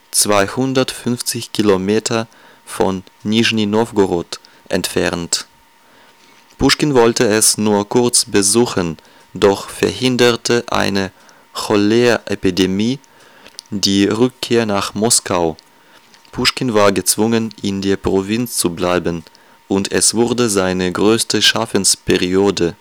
250 km von Nischni Nowgorod entfernt. Puschkin wollte es nur kurz besuchen, doch verhinderte eine Choleraepidemie die Rückkehr nach Moskau. Puschkin war gezwungen, in der Provinz zu bleiben, und es wurde seine größte Schaffensperiode